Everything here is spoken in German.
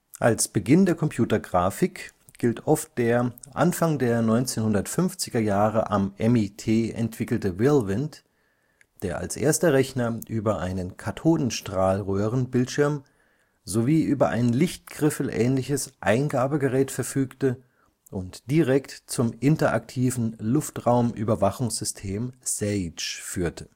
Als Beginn der Computergrafik gilt oft der Anfang der 1950er Jahre am MIT entwickelte Whirlwind, der als erster Rechner über einen Kathodenstrahlröhren-Bildschirm sowie über ein lichtgriffelähnliches Eingabegerät verfügte und direkt zum interaktiven Luftraumüberwachungssystem SAGE führte